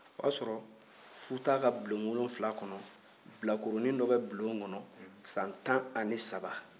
o y'a sɔrɔ futa ka bulon wolonwula kɔnɔ bilakoronin dɔ be bulon kɔnɔ san tan ni saba